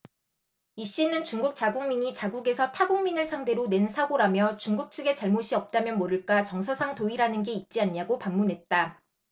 이씨는 중국 자국민이 자국에서 타국민을 상대로 낸 사고라며 중국 측의 잘못이 없다면 모를까 정서상 도의라는 게 있지 않냐고 반문했다